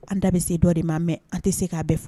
An da bɛ se dɔ de ma mɛ an tɛ se k'a bɛɛ fɔ